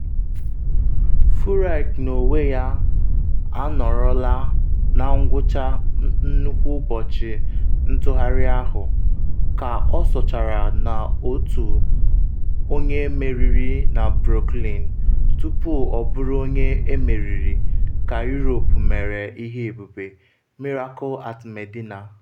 Furyk n’onwe ya anọrọla na ngwucha nnukwu ụbọchị ntugharị ahụ, ka o osochara n’otu meriri na Brookline tupu ọ bụrụ onye emeriri ka Europe mere ihe ebube “Miracle at Medinah.”